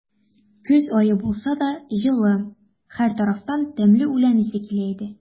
Көз ае булса да, җылы; һәр тарафтан тәмле үлән исе килә иде.